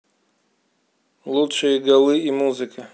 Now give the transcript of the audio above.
лучшие голы и музыка